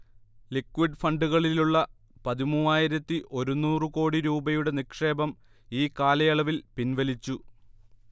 liquid ഫണ്ടുകളിലുള്ള പതിമൂവായിരത്തി ഒരുനൂറ് കോടി രൂപയുടെ നിക്ഷേപം ഈകാലയളവിൽ പിൻവലിച്ചു